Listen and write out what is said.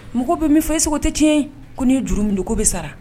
Mɔgɔ bɛ min fɔ est ce que o tɛ tiɲɛ ye, ko nin juru min don ko bɛ sara.